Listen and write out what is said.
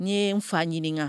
N ye n fa ɲini kan